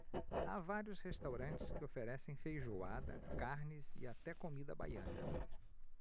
há vários restaurantes que oferecem feijoada carnes e até comida baiana